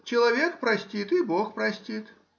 человек простит, и бог простит.